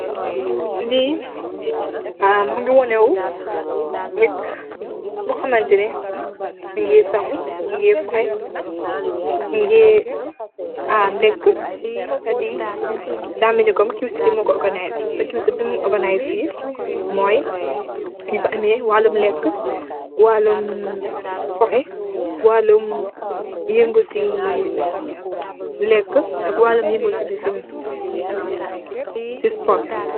Li arr mogi woneh wo nit yu hamanteneh mageh sangu mogeh fay mogeh ar leka teh di da meel ni qcity moko organise teh qcity lum organize fi moi nung fa ameh walum leka walum fooxi walum yengu si leka walum yengu si lefin sport.